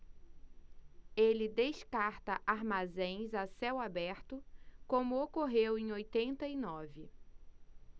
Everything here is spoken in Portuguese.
ele descarta armazéns a céu aberto como ocorreu em oitenta e nove